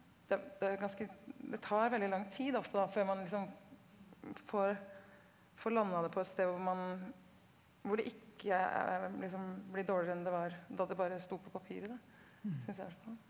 det det er ganske det tar veldig lang tid ofte da før man liksom får får landa det på et sted hvor man hvor det ikke er liksom blir dårligere enn det var da det bare sto på papiret da synes jeg i hvert fall .